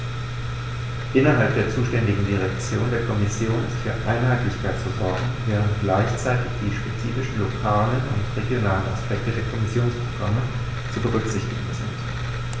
Innerhalb der zuständigen Direktion der Kommission ist für Einheitlichkeit zu sorgen, während gleichzeitig die spezifischen lokalen und regionalen Aspekte der Kommissionsprogramme zu berücksichtigen sind.